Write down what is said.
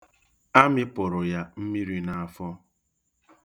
A mipụrụ ya mmiri n'afọ.